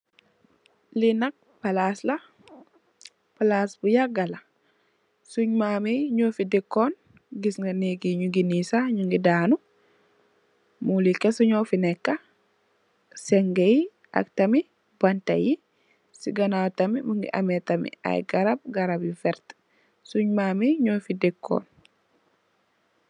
Li nak palac la palac bu yaga la suun ma'am yu nyufi dekon giss nga neegi nyugi nee sax nyugi danu woli keseh nyufi neka segey ak tamit banta yi si ganaw tamit mogi ame tamit ay garab garab yu verta suun maam yi nyufi dekon.